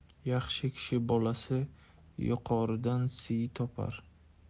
yaxshi kishi bolasi yuqoridan siy topar